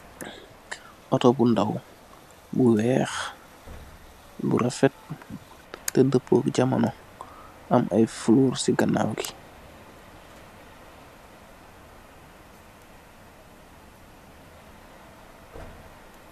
Oto bu daaw, bu weex bu refet tedapu jamaano, am ay folor si ganaaw ngi